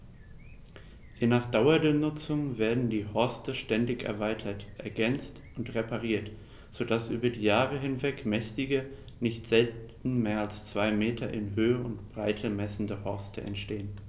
Je nach Dauer der Nutzung werden die Horste ständig erweitert, ergänzt und repariert, so dass über Jahre hinweg mächtige, nicht selten mehr als zwei Meter in Höhe und Breite messende Horste entstehen.